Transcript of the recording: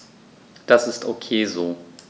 Das ist ok so.